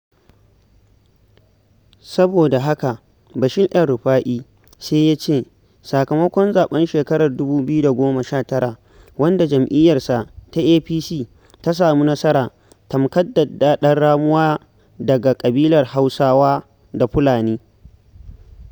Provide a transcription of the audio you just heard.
Saboda haka, Bashir El-Rufai sai ya ce sakamakon zaɓen shekarar 2019 wanda jam'iyyarsa ta APC ta samu nasara tamkar daddaɗar "ramuwa" daga ƙabilar Hausawa da Fulani.